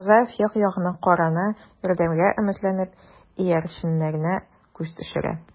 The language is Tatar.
Мурзаев як-ягына карана, ярдәмгә өметләнеп, иярченнәренә күз төшерә.